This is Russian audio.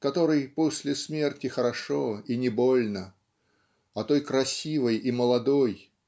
которой после смерти хорошо и не больно о той красивой и молодой